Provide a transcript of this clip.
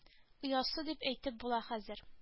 Оясы дип әйтеп була хәзер